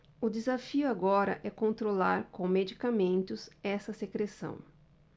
o desafio agora é controlar com medicamentos essa secreção